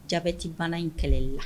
Diabète bana in kɛlɛli la